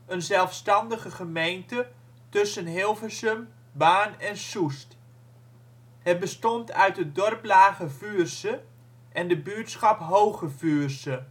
een zelfstandige gemeente in tussen Hilversum, Baarn en Soest. Het bestond uit het dorp Lage Vuursche en de buurtschap Hooge Vuursche